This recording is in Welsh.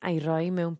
a'i roi mewn